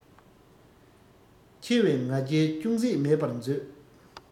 ཆེ བའི ང རྒྱལ ཅུང ཟད མེད པར མཛོད